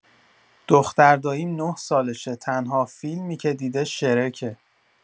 دخترداییم ۹ سالشه، تنها فیلمی که دیده شرکه